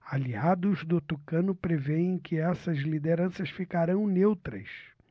aliados do tucano prevêem que essas lideranças ficarão neutras